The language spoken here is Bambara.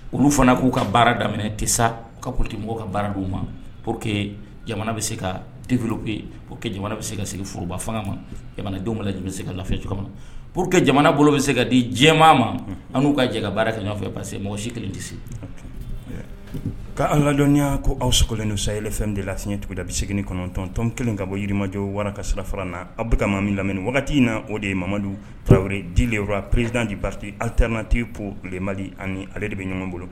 Olu fana k'u ka baara daminɛ tɛ sa ka po que mɔgɔw ka baara di u ma po que jamana bɛ se ka dif kɛ po que jamana bɛ se ka sigi foroba fanga ma jamanadenw bɛɛ bɛ se ka laficogo na po que jamana bolo bɛ se ka di jɛmaa ma an n'u ka jɛ ka baara kafɛ parce que mɔgɔ si kelen tɛ se ka' an lajya ko aw sokɔlen ye yɛlɛ fɛn de laseɲɛ tuguda bɛ segin kɔnɔntɔntɔn kelen ka bɔ jirimajɔ wara ka sirafa na aw bɛ ka ma min lam wagati in na o de ye mamadu tarawele dilen prizd di pate awtrti ko ma ani ale de bɛ ɲɔgɔn bolo